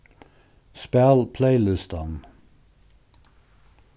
spæl playlistan